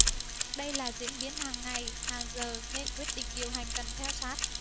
đây là diễn biến hàng ngày hàng giờ nên quyết định điều hành cần theo sát